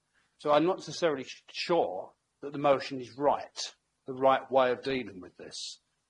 So I'm not necessarily sure that the motion is right, the right way of dealing with this.